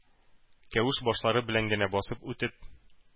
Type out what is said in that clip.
Кәвеш башлары белән генә басып үтеп,